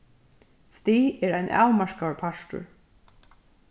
stig er ein avmarkaður partur